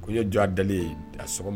Ko ye jɔ a dalen ye a sɔgɔma